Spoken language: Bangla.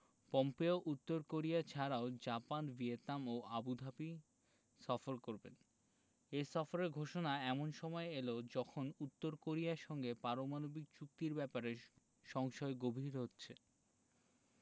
পম্পেও উত্তর কোরিয়া ছাড়াও জাপান ভিয়েতনাম ও আবুধাবি সফর করবেন এই সফরের ঘোষণা এমন সময়ে এল যখন উত্তর কোরিয়ার সঙ্গে পারমাণবিক চুক্তির ব্যাপারে সংশয় গভীর হচ্ছে